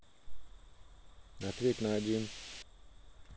ответь на один